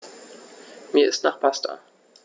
Mir ist nach Pasta.